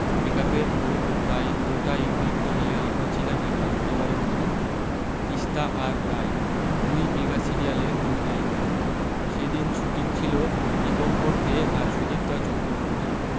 মেকাপের লোক প্রায় গোটা ইউনিট মিলিয়ে আমরা ছিলাম একটা পরিবারের মতো তিস্তা আর রাই দুই মেগা সিরিয়ালের দুই নায়িকা সে দিন শুটিং ছিল দীপঙ্কর দে আর সুদীপতা চক্রবর্তীর